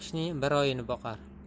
qishning bir oyini boqar